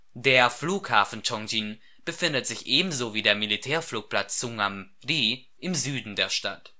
Der Flughafen Ch’ ŏngjin befindet sich ebenso wie der Militärflugplatz Sungam Ni im Süden der Stadt